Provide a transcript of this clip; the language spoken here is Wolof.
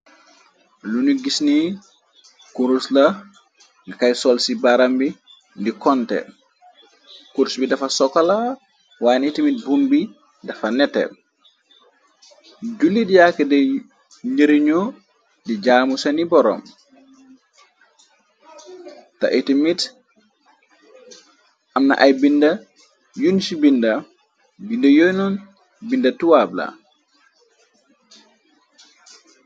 Luñu gis ni kurs la, ñu koy sol ci baram bi di konte, kurs bi dafa sokola waane itimit bum bi dafa nete, jullit yàkk de njëri ñoo di jaamu sani boroom, te itimit amna ay binda yuñ ci binda, binda yoynoon binda tubaab la.